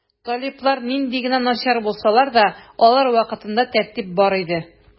Талиблар нинди генә начар булсалар да, алар вакытында тәртип бар иде.